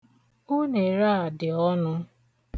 Unere a dị ọnụ.